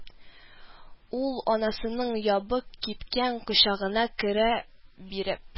Ул анасының ябык, кипкән кочагына керә биреп: